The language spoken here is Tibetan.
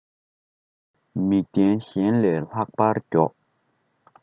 མིག ལྡན གཞན ལས ལྷག པར མགྱོགས